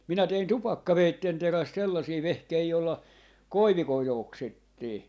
minä tein tupakkaveitsen terästä sellaisia vehkeitä jolla koivikoita oksittiin